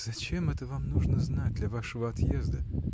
— Зачем это вам нужно знать для вашего отъезда?